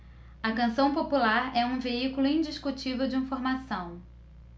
a canção popular é um veículo indiscutível de informação